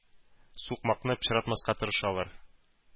Сукмакны пычратмаска тырышалар.